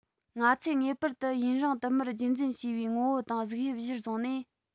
ང ཚོས ངེས པར དུ ཡུན རིང དུ མར རྒྱུད འཛིན བྱས པའི ངོ བོ དང གཟུགས དབྱིབས གཞིར བཟུང ནས